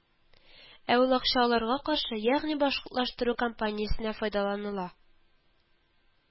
Ә ул акча аларга каршы, ягъни башкортлаштыру кампаниясенә файдаланыла